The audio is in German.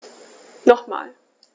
Nochmal.